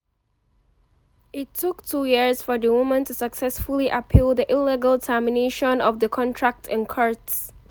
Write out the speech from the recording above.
It took two years for the woman to successfully appeal the illegal termination of the contract in court.